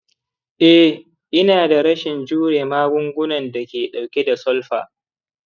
“eh, ina da rashin jure magungunan da ke ɗauke da sulfa.